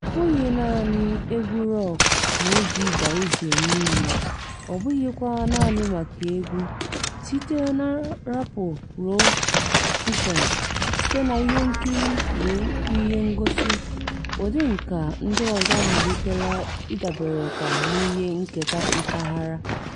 Ọ bụghị naanị egwu rọk na-eji Darija eme ihe, ọ bụghịkwa naanị maka egwu: site na raapụ ruo fushọn, site n'ihenkiri ruo n'ihengosị, ụdị nkà ndị ọzọ amalitela ịdaberekwa n'ihe nketa mpaghara.